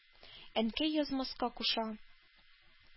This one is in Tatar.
Әнкәй язмаска куша.